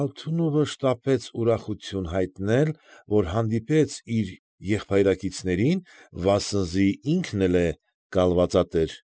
Ալթունովը շտապեց ուրախություն հայտնել, որ հանդիպեց իր «եղբայրակիցներին», վասնզի ինքն էլ կալվածատեր է։